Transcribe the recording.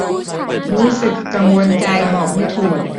รู้สึกกังวลใจบอกไม่ถูก